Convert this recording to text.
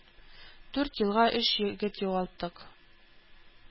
Дүрт елга өч егет югалттык